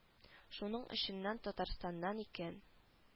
Шуның эченнән татарстаннан икән